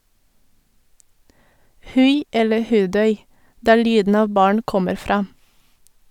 Hui eller Hudøy - der lyden av barn kommer fra.